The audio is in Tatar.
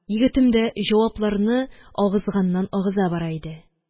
Егетем дә җавапларны агызганнан-агыза бара иде.